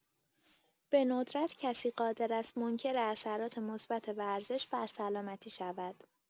به‌ندرت کسی قادر است منکر اثرات مثبت ورزش بر سلامتی شود.